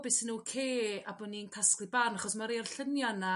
be sy'n ok a bo' ni'n casglu barn achos ma' rei o'r llunia' 'na